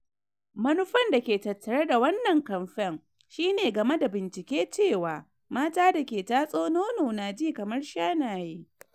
Munufan dake tattare da wannan kamfen shi ne game da bincike cewa mata da ke tatso nono na ji kamar shanaye.